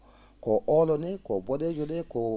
ko oolo nii ko bo?eejo ?e ko